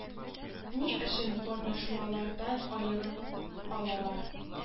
Ни өчен катнашмалардан аерып алалар